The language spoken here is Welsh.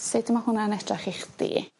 Sud ma' hwnna'n edrach i chdi?